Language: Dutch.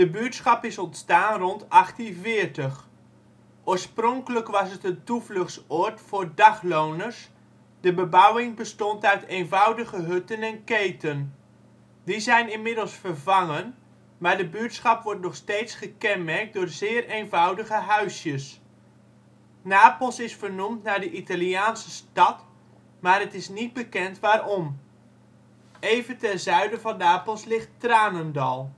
buurtschap is ontstaan rond 1840. Oorspronkelijk was het een toevluchtsoord voor dagloners, de bebouwing bestond uit eenvoudige hutten en keten. Die zijn inmiddels vervangen, maar de buurtschap wordt nog steeds gekenmerkt door zeer eenvoudige huisjes. Napels is vernoemd naar de Italiaanse stad, maar het is niet bekend waarom. Even ten zuiden van Napels ligt Tranendal